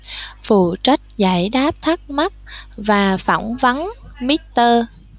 phụ trách giải đáp thắc mắc và phỏng vấn mr